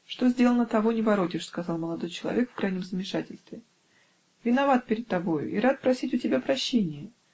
-- "Что сделано, того не воротишь, -- сказал молодой человек в крайнем замешательстве, -- виноват перед тобою и рад просить у тебя прощения